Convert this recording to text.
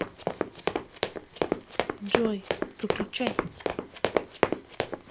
джой выключай